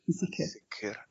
Yn sicir. Sicir.